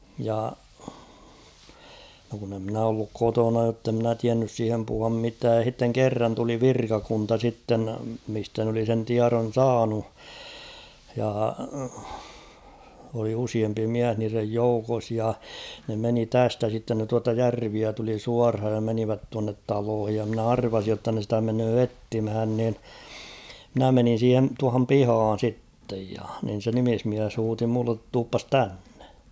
ja no kun en minä ollut kotona jotta en minä tiennyt siihen puhua mitään ja sitten kerran tuli virkakunta sitten mistä ne oli sen tiedon saanut ja oli useampi mies niiden joukossa ja ne meni tästä sitten ne tuota järveä tuli suoraan ja menivät tuonne taloihin ja minä arvasin jotta ne sitä menee etsimään niin minä menin siihen tuohon pihaan sitten ja niin se nimismies huusi minulle tulepas tänne